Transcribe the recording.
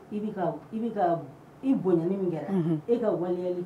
I b'i ka i boyani min kɛ e ka waleyali